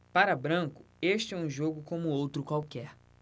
para branco este é um jogo como outro qualquer